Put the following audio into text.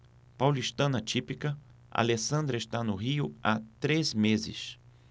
paulistana típica alessandra está no rio há três meses